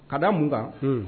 Ka da mun kan